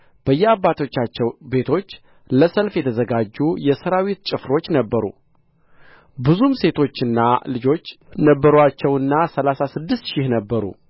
በየአባቶቻቸው ቤቶች ለሰልፍ የተዘጋጁ የሠራዊት ጭፍሮች ነበሩ ብዙም ሴቶችና ልጆች ነበሩአቸውና ሠላሳ ስድስት ሺህ ነበሩ